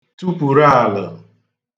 tukwùru àlə̣